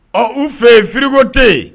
Ɔ u fɛ yen firiko tɛ yen